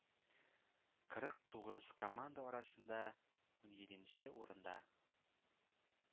Кырык тугыз команда арасында уньиденче урында